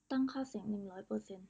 ตั้งค่าเสียงร้อยเปอร์เซนต์